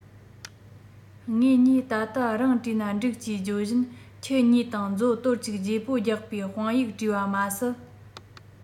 ངེད གཉིས ད ལྟ རང བྲིས ན འགྲིག ཅེས བརྗོད བཞིན ཁྱི གཉིས དང མཛོ དོར གཅིག བརྗེ པོ རྒྱག པའི དཔང ཡིག བྲིས པ མ ཟད